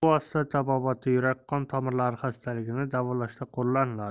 bu vosita tabobatda yurak qon tomirlari xastaligini davolashda qo'llaniladi